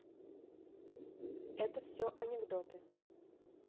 это все анекдоты